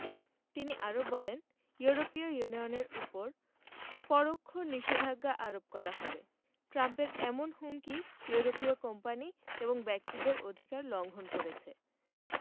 তিনি আরও বলেন ইউরোপীয় ইউনিয়নের ওপর পরোক্ষ নিষেধাজ্ঞা আরোপ করা হবে ট্রাম্পের এমন হুমকি ইউরোপীয় কোম্পানি এবং ব্যক্তিদের অধিকার লঙ্ঘন করেছে